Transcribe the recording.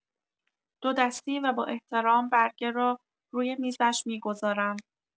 دو دستی و با احترام برگه را روی میزش می‌گذارم.